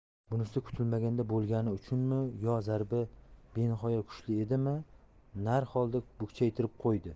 bunisi kutilmaganda bo'lgani uchunmi yo zarba benihoya kuchli edimi harholda bukchaytirib qo'ydi